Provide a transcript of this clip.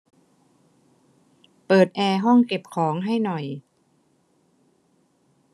เปิดแอร์ห้องเก็บของให้หน่อย